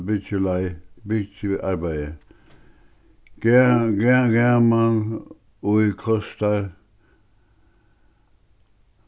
byggiarbeiði í kostar